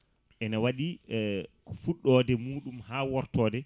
ene waɗi ko fuɗɗode muɗum ha wortode